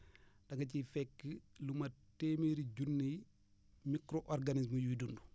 da nga ciy fekk lu mat téeméeri junniy micro organiques yuy dund